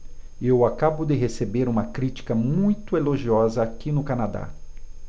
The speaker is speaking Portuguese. eu acabo de receber uma crítica muito elogiosa aqui no canadá